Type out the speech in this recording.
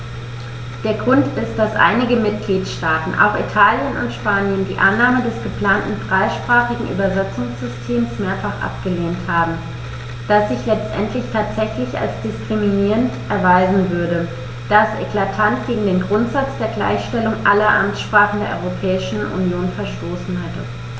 Der Grund ist, dass einige Mitgliedstaaten - auch Italien und Spanien - die Annahme des geplanten dreisprachigen Übersetzungssystems mehrfach abgelehnt haben, das sich letztendlich tatsächlich als diskriminierend erweisen würde, da es eklatant gegen den Grundsatz der Gleichstellung aller Amtssprachen der Europäischen Union verstoßen hätte.